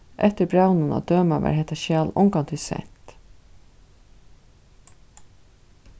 eftir brævinum at døma var hetta skjal ongantíð sent